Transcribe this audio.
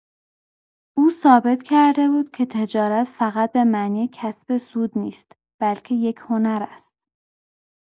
او ثابت کرده بود که تجارت فقط به معنی کسب سود نیست، بلکه یک هنر است.